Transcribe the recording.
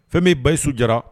Fɛn bɛ basiyi sudi